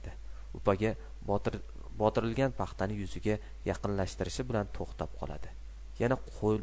upaga botirilgan paxtani yuziga yaqinlashtirishi bilan to'xtab qoladi